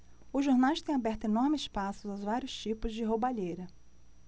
os jornais têm aberto enorme espaço aos vários tipos de roubalheira